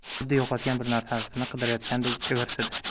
xuddi yo'qotgan bir narsasini qidirayotganday ivirsidi